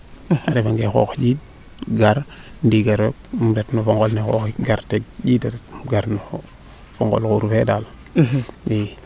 a refa nga nge qoox njind gar ndiiga ret im gar no ngol ne xooxik gar teg njiinda rok im gar no fo ngur fee daal